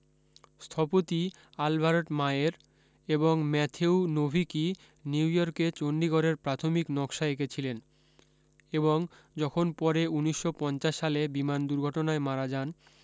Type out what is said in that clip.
স্থপতি Albert Mayer এবং Matthew Nowicki নিউইয়র্কে চন্ডীগড়ের প্রাথমিক নকসা এঁকেছিলেন এবং যখন পরে উনিশশ পঞ্চাশ সালে বিমান দুর্ঘটনায় মারা যান